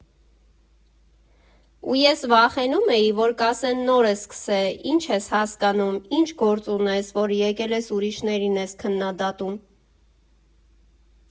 Ու ես վախենում էի, որ կասեն՝ նոր ես սկսել, ի՞նչ ես հասկանում, ի՞նչ գործ ունես, որ եկել ուրիշներին ես քննադատում։